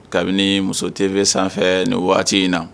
Kabini muso TV sanfɛ nin waati in na.